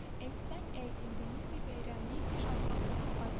— әйтсәң әйт инде, нинди бәйрәм, нинди шатлык белән